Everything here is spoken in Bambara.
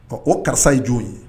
Ɔ o karisa ye jɔn ye